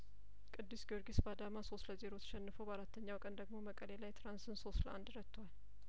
ቅዱስ ጊዮርጊስ በአዳማ ሶስት ለዜሮ ተሸንፎ በአራተኛው ቀን ደግሞ መቀሌ ላይ ትራንስን ሶስት ለአንድ ረቷል